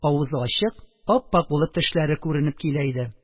Авызы ачык, ап-ак булып тешләре күренеп килә иде